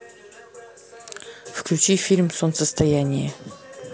включи фильм солнцестояние